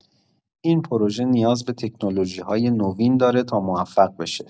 این پروژه نیاز به تکنولوژی‌های نوین داره تا موفق بشه.